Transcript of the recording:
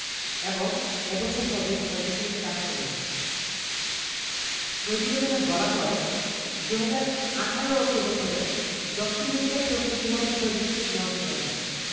এবং এ বছর হবে ৬.৪ শতাংশ প্রতিবেদনে বলা হয় ২০১৮ অর্থবছরে দক্ষিণ এশিয়ায় প্রবৃদ্ধি হবে ৬.৯ শতাংশ